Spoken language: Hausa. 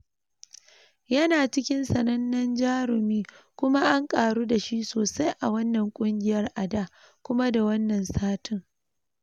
Yana cikin sanannen jarumai kuma an karu da shi sosai a wannan kungiyar a da, kuma da wannan satin.